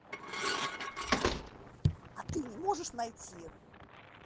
а ты не можешь найти